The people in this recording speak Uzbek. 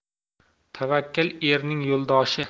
tavakkal erning yo'ldoshi